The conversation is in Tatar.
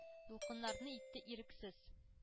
Дулкыннарны итте ирексез,